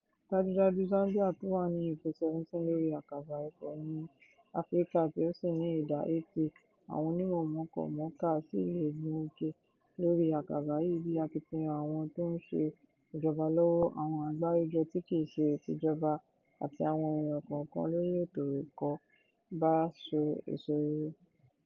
Dájúdájú, Zambia tó wà ní ipò 17 lórí akàbà ipò ní Áfíríkà tí ó sì ní ìdá 80 àwọn onímọ mọ̀ọ́kọ-mọ̀ọ́kà ṣì lè gún òkè lórí akàbà yìí bí akitiyan àwọn tó ń ṣe ìjọba lọ́wọ́, àwọ́n àgbáríjọ tí kìí ṣe tìjọba àti àwọn eèyàn kọọ̀kan lóri ètò ẹ̀kọ́ bá so èso rere.